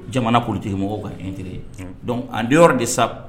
Jamana pte mɔgɔw kan teri dɔnku an den yɔrɔ de sa